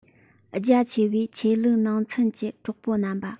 རྒྱ ཆེ བའི ཆོས ལུགས ནང ཚུན གྱི གྲོགས པོ རྣམ པ